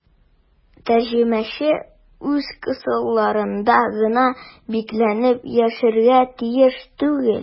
Тәрҗемәче үз кысаларында гына бикләнеп яшәргә тиеш түгел.